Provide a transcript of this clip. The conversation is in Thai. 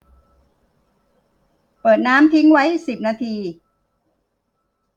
เปิดน้ำทิ้งไว้สิบนาที